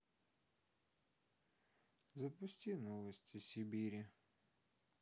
запусти новости сибири